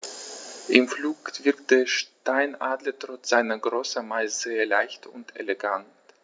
Im Flug wirkt der Steinadler trotz seiner Größe meist sehr leicht und elegant.